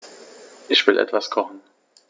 Ich will etwas kochen.